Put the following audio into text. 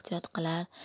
ehtiyot qilar